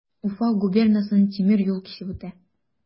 Уфа губернасын тимер юл кисеп үтә.